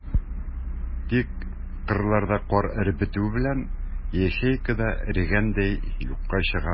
Тик кырларда кар эреп бетү белән, ячейка да эрегәндәй юкка чыга.